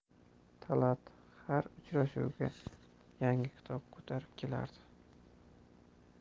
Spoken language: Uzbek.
talat har uchrashuvga yangi kitob ko'tarib kelardi